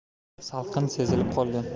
salqin sezilib qolgan